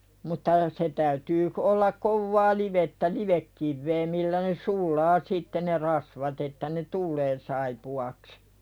mutta se täytyy - olla kovaa livettä livekiveä millä ne sulaa sitten ne rasvat että ne tulee saippuaksi